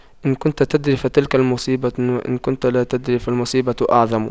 إذا كنت تدري فتلك مصيبة وإن كنت لا تدري فالمصيبة أعظم